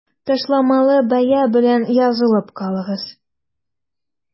Ташламалы бәя белән язылып калыгыз!